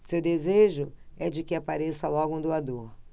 seu desejo é de que apareça logo um doador